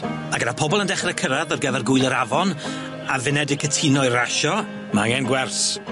A gyda pobol yn dechre cyrradd ar gyfer gwyl yr afon a fine 'di cytuno i rasio, ma' angen gwers.